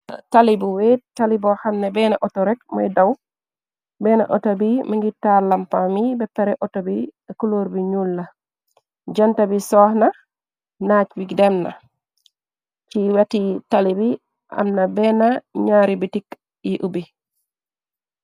tali bu we talibo xamne benn outorek mooy daw benn auto bi mangi taar lampami béppare autobi kulóor bi ñul la jënta bi sooxna naaj bi dem na ci weti tali bi am na benn ñaaru bi tikk yi ubi